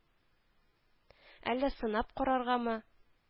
Әллә сынап караргамы